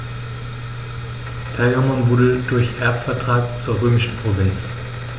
Pergamon wurde durch Erbvertrag zur römischen Provinz.